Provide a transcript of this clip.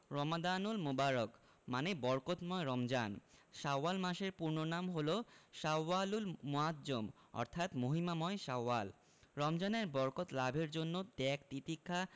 রমাদানুল মোবারক মানে বরকতময় রমজান শাওয়াল মাসের পূর্ণ নাম হলো শাওয়ালুল মুআজ্জম অর্থাৎ মহিমাময় শাওয়াল রমজানের বরকত লাভের জন্য ত্যাগ তিতিক্ষা